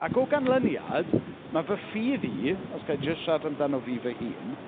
Ac o ganlyniad, ma' fy ffydd i, os ga'i jyst siarad amdano fi fy hun...